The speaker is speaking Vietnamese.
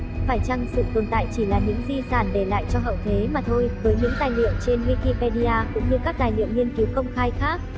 phải chăng sự tồn tại chỉ là những di sản để lại cho hậu thế mà thôi với những tài liệu trên wikipedia cũng như các tài liệu nghiên cứu công khai khác